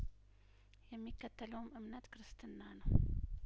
የሚከተለውም እምነት ክርስትና ነው